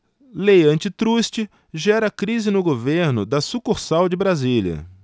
lei antitruste gera crise no governo da sucursal de brasília